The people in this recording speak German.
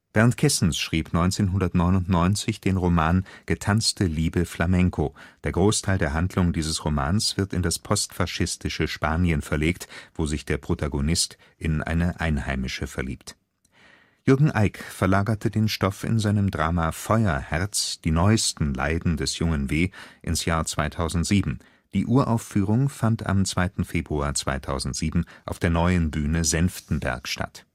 Bernd Kessens schrieb 1999 den Roman „ Getanzte Liebe Flamenco “. Der Großteil der Handlung dieses Romans wird in das postfaschistische Spanien verlegt, wo sich der Protagonist in eine Einheimische verliebt. Jürgen Eick verlagerte den Stoff in seinem Drama „ Feuerherz – Die neuesten Leiden des Jungen W. “ins Jahr 2007. Die Uraufführung fand am 2. Februar 2007 auf der Neuen Bühne Senftenberg statt